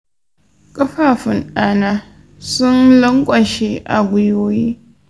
ƙafafun ɗana sun lanƙwashe a gwiwoyi.